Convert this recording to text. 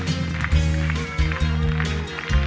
dọc việt